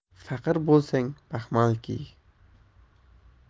faqir bo'lsang baxmal kiy